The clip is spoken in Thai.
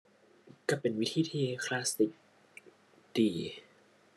ก็เป็นวิธีที่คลาสสิกดี